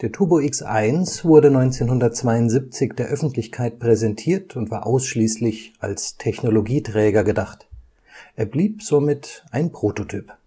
Turbo X1 wurde 1972 der Öffentlichkeit präsentiert und war ausschließlich als Technologieträger gedacht. Er blieb somit ein Prototyp